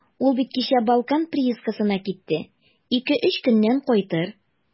Ул бит кичә «Балкан» приискасына китте, ике-өч көннән кайтыр.